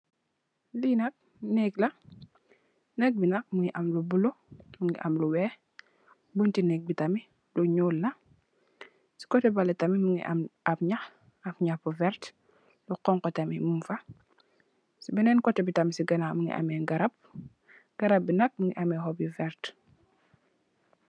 Lee nak neeg la naag be nak muge am lu bulo muge am lu weex bunte neeg be tamin lu nuul la se koteh bale tamin muge am ab naax ab naax bu verte lu xonxo tamin mugfa se benen koteh se ganaw muge ameh garab garab be nak muge ameh hopp yu verte.